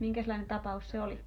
minkäslainen tapaus se oli